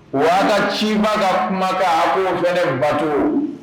Wa a ka cibaa ka kumakan a b'o fana bato.